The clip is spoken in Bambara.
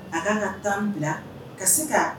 A kan ka tan bila ka se ka